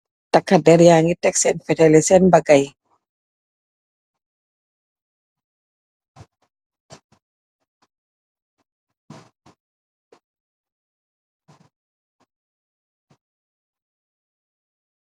Taka dèrr ya ngi tek sèèn fetal yi sèèn mbagayi.